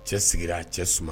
Cɛ sigira a cɛ suma